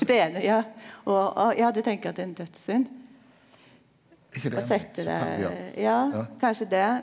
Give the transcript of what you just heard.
det er det ja og og ja du tenker at det er ein dødssynd å sette det ja kanskje det.